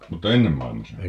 mutta ennen maailmassa